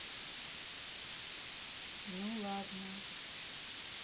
ну ладно